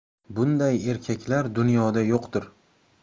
bunday erkaklar dunyoda yo'qdir